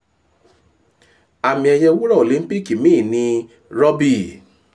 Àmì ẹ̀yẹ wúrà Òlíńpìkì mi ni Robbie.”